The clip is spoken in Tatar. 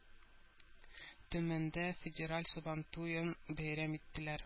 Төмәндә федераль Сабантуен бәйрәм иттеләр